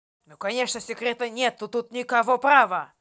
ну конечно secreto нету тут никого права